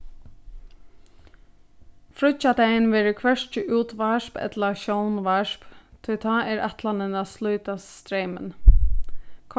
fríggjadagin verður hvørki útvarp ella sjónvarp tí tá er ætlanin at slíta streymin